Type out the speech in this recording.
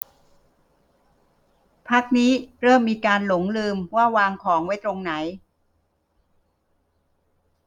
พักนี้เริ่มมีการหลงลืมว่าวางของไว้ตรงไหน